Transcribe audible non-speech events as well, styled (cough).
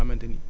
(hesitation)